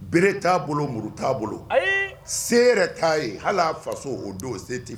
Bere t'a bolo muru t'a bolo se yɛrɛ t'a ye halia faso'o don se tɛ